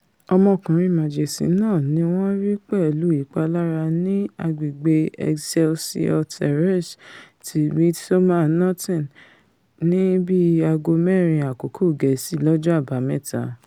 Ọmọkùnrin màjèsín náà ni wọn ri pẹ̀lú ìpalára ní agbègbè̀ Excelsior Terrace ti Midsomer Norton, ní bíi aago mẹ́rin Àkókò Gẹ̀ẹ́sì lọ́jọ́ Àbámẹ́ta.